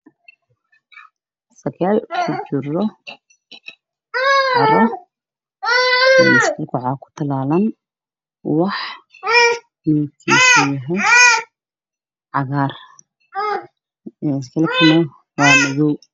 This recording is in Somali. Meeshaan waxaa ka muuqdo geed dul saaran miis cadaan ah geedkana waa cagaar fadhigana waa madaw